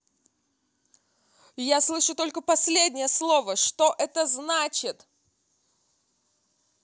я слышу только последнее слово что это значит